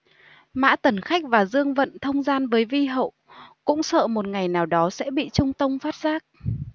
mã tần khách và dương vận thông gian với vi hậu cũng sợ một ngày nào đó sẽ bị trung tông phát giác